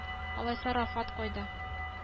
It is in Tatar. — мин инде күптән яшәмим.